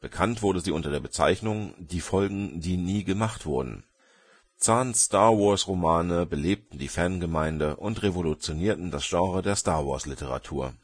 Bekannt wurde sie unter der Bezeichnung „ Die Folgen, die nie gemacht wurden “. Zahns Star-Wars-Romane belebten die Fangemeinde und revolutionierte das Genre der Star-Wars-Literatur